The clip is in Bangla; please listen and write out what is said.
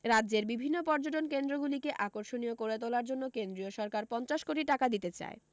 রাজ্যের বিভিন্ন পর্যটন কেন্দ্রগুলিকে আকর্ষণীয় করে তোলার জন্য কেন্দ্রীয় সরকার পঞ্চাশ কোটি টাকা দিতে চায়